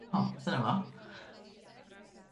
O, dyna fo.